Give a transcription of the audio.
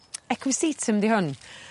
equistetum 'di hwn